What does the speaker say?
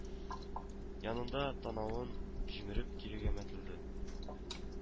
Янында танавын җимереп кирегә мәтәлде